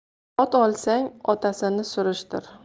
ot olsang otasini surishtir